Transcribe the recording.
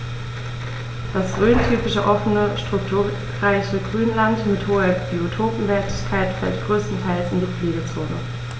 Das rhöntypische offene, strukturreiche Grünland mit hoher Biotopwertigkeit fällt größtenteils in die Pflegezone.